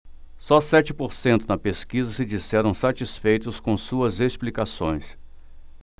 só sete por cento na pesquisa se disseram satisfeitos com suas explicações